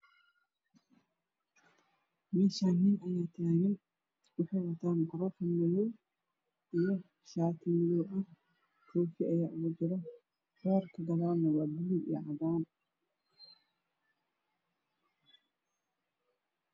Meeshaan nin ayaa taagan waxa uu wataa magaroofan madow ah iyo shaati madow koofi ayaa ugu jiro boorka kadaalna waa buluug iyo cadaan